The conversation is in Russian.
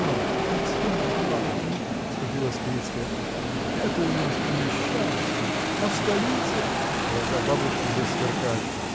— Ах, Татьяна Марковна, — вступилась Крицкая, — это у нас по-мещански, а в столице. Глаза у бабушки засверкали.